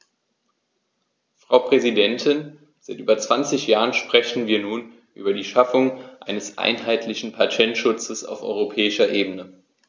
Frau Präsidentin, seit über 20 Jahren sprechen wir nun über die Schaffung eines einheitlichen Patentschutzes auf europäischer Ebene.